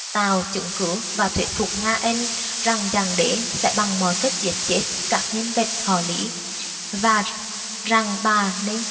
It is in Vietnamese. tạo chứng cứ và thuyết phục nga anh rằng dạng đế sẽ bằng mọi cách giết chết các nhân vật họ lý và rằng bà nên